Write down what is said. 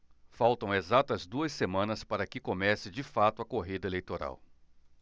faltam exatas duas semanas para que comece de fato a corrida eleitoral